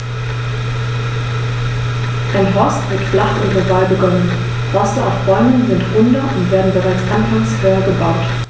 Ein Horst wird flach und oval begonnen, Horste auf Bäumen sind runder und werden bereits anfangs höher gebaut.